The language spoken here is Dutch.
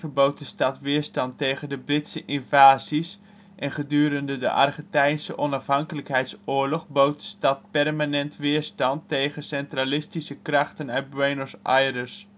bood de stad weerstand tegen de Britse invasies en gedurende de Argentijnse onafhankelijkheidsoorlog bood de stad pernament weerstand tegen centralistische krachten uit Buenos Aires